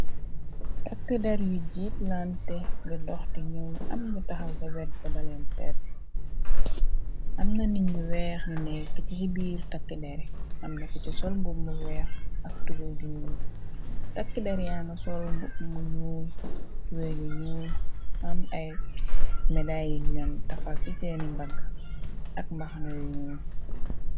takki dar yu jiit lante di dox di ñu am nu taxaw zevet gadaleen tet amna nit ñu weex ni nekk ci ci biir takki deri amna ko ci sol bup mu weex ak tuwéegu ñuu takki der yaa nga sol bu mu ñuul tuwee yu ñuu am ay medal yu ñam tafal ci seeni mbagg ak mbaxma yu ñuu